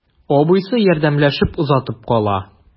Абыйсы ярдәмләшеп озатып кала.